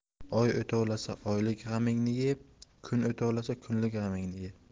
oy o'tovlasa oylik g'amingni ye kun o'tovlasa kunlik g'amingni ye